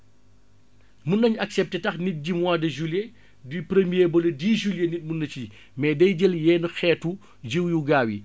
mën nañu accepter tax nit ji mois de juillet du premier ba le 10 juillet nit mën na ci ji mais day jël yenn xeetu jiwu yu gaaw yi